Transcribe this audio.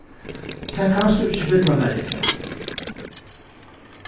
tað kanst tú ikki billa mær inn